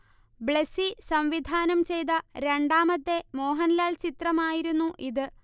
ബ്ലെസ്സി സംവിധാനം ചെയ്ത രണ്ടാമത്തെ മോഹൻലാൽ ചിത്രമായിരുന്നു ഇത്